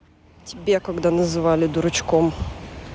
тебе когда называли дурачком